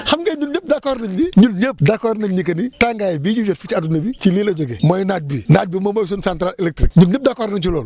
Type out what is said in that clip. xam ngeen ñun ñëpp d' accord nañ ni ñun ñëpp d' accord nañ ni que ni tàngaay bii ñuy jot fii ci adduna bi si lii la jógee mooy naaj bi naaj bi moom mooy suñu central électrique ñun ñëpp d' accord nañ ci loolu